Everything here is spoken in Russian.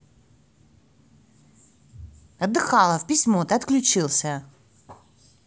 отдыхалов письмо ты отключился